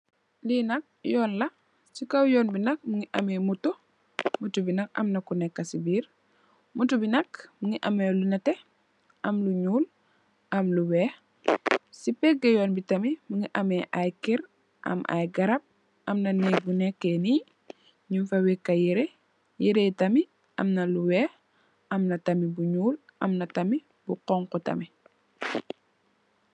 Li nak yoon la ci kaw yoon bi mu ngi ameh moto, moto bi nak am na ku nekka ci biir, moto bi nak mugii ameh lu netteh am lu ñuul am lu wèèx. Ci pega yoon bi tamit mugii am ay kèr am ay garap am na nèk bu nekee ni, ñing fa wéka yirèh, yirèh yi tamit am na yu wèèx, am na tamit lu ñuul am na tamit lu xonxu tamit.